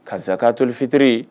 Kasatɔli fitiri ye